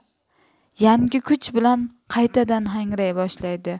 yangi kuch bilan qaytadan hangray boshlaydi